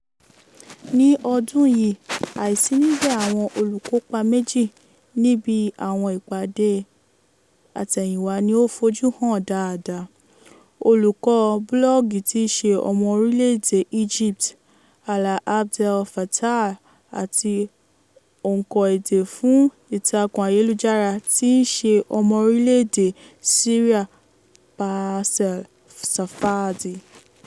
Ní ọdún yìí, àìsí níbẹ̀ àwọn olùkópa méjì níbi àwọn ìpàdé àtẹ̀yìnwá ni ó fojú hàn dáadáa: Olùkọ búlọ́ọ̀gù tí í ṣe ọmọ orílẹ̀ èdè Egypt Alaa Abd El Fattah àti ọ̀ǹkọ èdè fún ìtàkùn ayélujára tí í ṣe ọmọ orílẹ̀ èdè Syria Bassel Safadi.